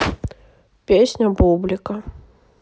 песня бублика